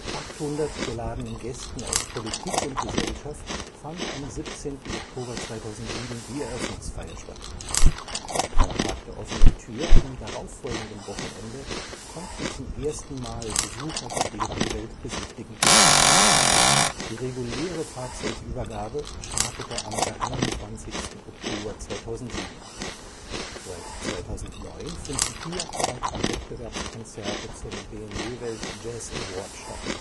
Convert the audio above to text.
800 geladenen Gästen aus Politik und Gesellschaft fand am 17. Oktober 2007 die Eröffnungsfeier statt. Beim Tag der offenen Tür am darauffolgenden Wochenende (19. und 20. Oktober 2007) konnten zum ersten Mal Besucher die BMW Welt besichtigen. Die reguläre Fahrzeugübergabe startete am 23. Oktober 2007. Seit 2009 finden hier auch die Wettbewerbskonzerte zum BMW Welt Jazz Award statt